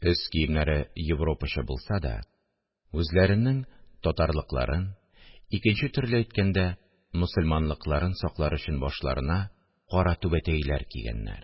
Өс киемнәре европача булса да, үзләренең татарлыкларын, икенче төрле әйткәндә, мөселманлыкларын саклар өчен башларына кара түбәтәйләр кигәннәр